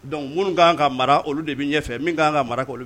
Dɔnkuc minnu k kanan ka mara olu de bɛ ɲɛ fɛ min kan ka mara olu